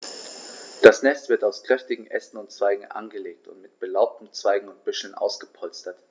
Das Nest wird aus kräftigen Ästen und Zweigen angelegt und mit belaubten Zweigen und Büscheln ausgepolstert.